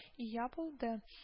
Ия булды